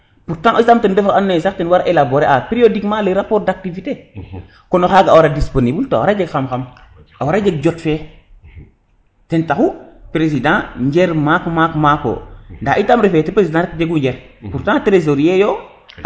pourtant ten ref oxe ando naye sax ten war elaborer a periodiquement les rapport d' activités kon o xaga a wara disponible to a wara jeg xam xam a wara jeg jot fe ten taxu president njer maak mako nda itam refe ye president rek itam jegu njer pourtant tresorier yo